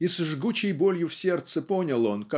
и с жгучей болью в сердце понял он